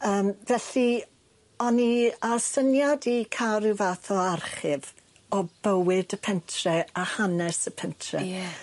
Yym felly o'n i â'r syniad i ca'l ryw fath o archif o bywyd y pentre a hanes y pentre. Ie.